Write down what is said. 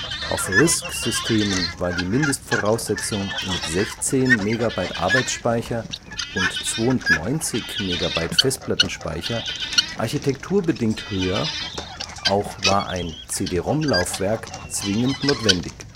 Auf RISC-Systemen war die Mindestvoraussetzung mit 16 MB Arbeitsspeicher und 92 MB Festplattenspeicher architekturbedingt höher, auch war ein CD-ROM-Laufwerk zwingend notwendig